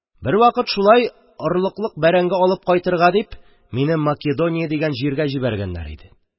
Бервакыт шулай, орлыклык бәрәңге алып кайтырга дип, мине Македония дигән җиргә җибәргәннәр иде.